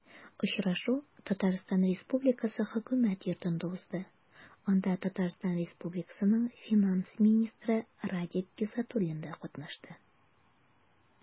Очрашу Татарстан Республикасы Хөкүмәт Йортында узды, анда ТР финанс министры Радик Гайзатуллин да катнашты.